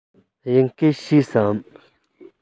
དབྱིན སྐད ཤེས སམ